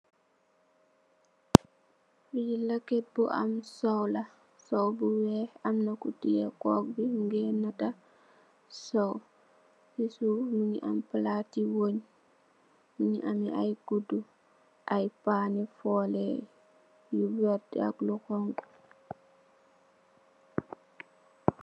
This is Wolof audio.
Li lèk bu am sóów la, sóów bu wèèx am na ku teyeh kóóg bi mugèè natta sóów. Ci suuf mugii ameh palati weñ mugii ameh ay kuddu ay pan ni foleh yu werta ak yu xonxu.